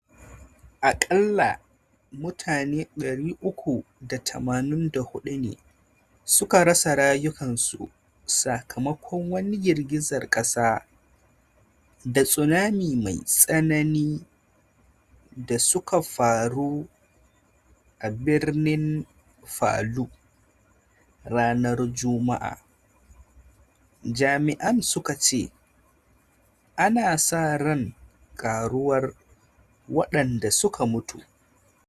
Akalla mutane 384 ne suka rasa rayukansu sakamakon wani girgizar kasa da tsunami mai tsanani da suka faru a birnin Palu ranar Juma’a, Jami'an suka ce, ana sa ran karuwar waɗanda suka mutu.